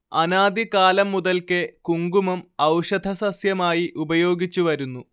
അനാദി കാലം മുതൽക്കേ കുങ്കുമം ഔഷധസസ്യമായി ഉപയോഗിച്ചുവരുന്നു